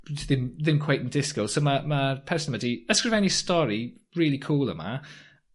by' ti dim ddim cweit yn disgwyl sy ma' ma'r person wedi ysgrifennu stori rili cŵl yma